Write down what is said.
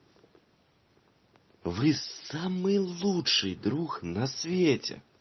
вы самый лучший друг на свете